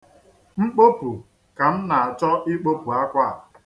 Mkpopu ka m na-achọ ikpopu akwa a.